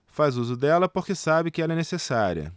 faz uso dela porque sabe que ela é necessária